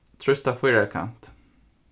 trýst á fýrakant